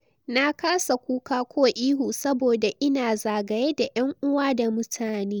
Na kasa kuka ko ihu saboda ina zagaye da yan’uwa da mutane.